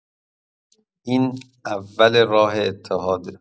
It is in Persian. این اول راه اتحاده